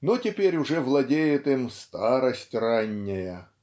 но теперь уже владеет им "старость ранняя"